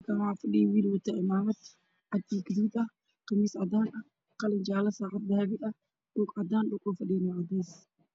Waa nin khamiis caddaan cimaamad guduud wata oo wax qoraayo